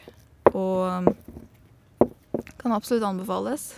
Og kan absolutt anbefales.